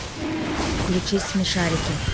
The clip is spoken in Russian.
включить смешарики